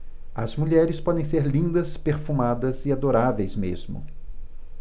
as mulheres podem ser lindas perfumadas e adoráveis mesmo